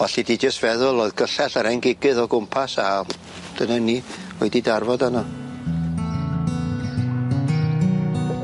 Alli di jyst feddwl oedd gyllell yr 'en gigydd o gwmpas a dyna ni wedi darfod arno.